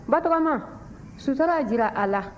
batɔgɔma sutura jira a la